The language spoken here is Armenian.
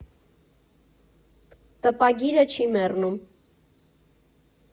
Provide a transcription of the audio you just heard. Տպագիրը չի մեռնում.